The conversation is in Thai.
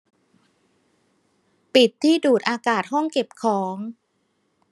ปิดที่ดูดอากาศห้องเก็บของ